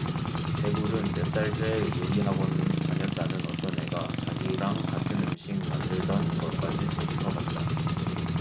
제굴은 몇 달째 요리 학원 다녔다는 어떤 애가 자기랑 같은 음식 만들던 것까지 되짚어봤다